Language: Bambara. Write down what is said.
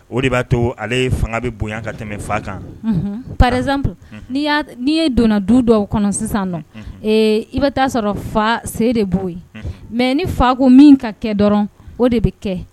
O de b'a to ale fanga bɛ bonyayan ka tɛmɛ fa kan pazp n'i ye donna du dɔw kɔnɔ sisan i bɛ taa sɔrɔ fa se de b'o yen mɛ ni fako min ka kɛ dɔrɔn o de bɛ kɛ